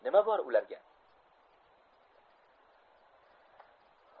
nima bor ularga